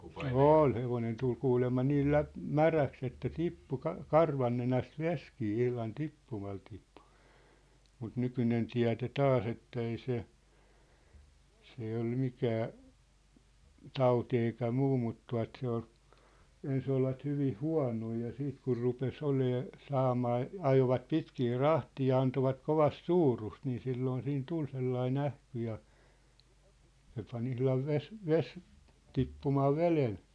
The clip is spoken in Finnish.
oli hevonen tuli kuulemma niillä - läpimäräksi että tippui - karvannenästä vesikin ihan tippumalla tippui mutta nykyinen tiede taas että ei se se ei ole mikään tauti eikä muu mutta tuo se oli ensin olivat hyvin huonoja ja sitten kun rupesi olemaan saamaan ajoivat pitkiä rahteja ja antoivat kovasti suurusta niin silloin siinä tuli sellainen ähky ja se pani ihan -- tippumaan veden